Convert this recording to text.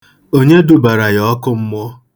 Onye dubara ya ọkụ mmụọ?